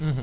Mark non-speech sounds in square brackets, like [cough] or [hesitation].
[hesitation] [hesitation]